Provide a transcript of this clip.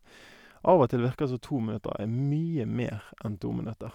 Av og til virker det som to minutter er mye mer enn to minutter.